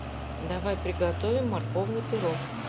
давай приготовим морковный пирог